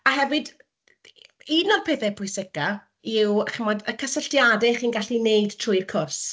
a hefyd, un o'r pethau pwysicaf yw chimod y cysylltiadau chi'n gallu neud trwy'r cwrs.